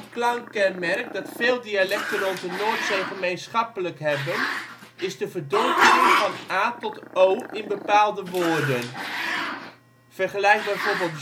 klankkenmerk dat veel dialecten rond de Noordzee gemeenschappelijk hebben, is de " verdonkering " van a tot o in bepaalde woorden. Vergelijk bijvoorbeeld